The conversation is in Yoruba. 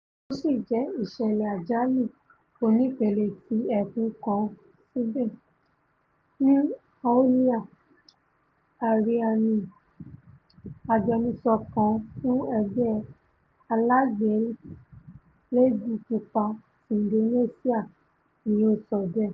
Ó sí jẹ́ ìṣẹ̀lẹ̀ àjálù onípele tí ẹkùn kan síbẹ̀,'' ni Aulia Arriani, agbẹnusọ kan fún Ẹgbẹ́ Aláàgbéléèbú Pupa ti Indonesia ni o so bẹẹ̣.